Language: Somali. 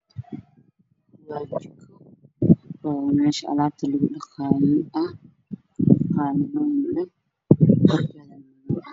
Waajigo oo meesha alaabta lagu dhaqaayay ah qaanadooyin leh